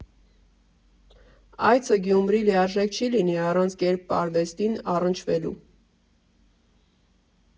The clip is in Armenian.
Այցը Գյումրի լիարժեք չի լինի առանց կերպարվեստին առնչվելու։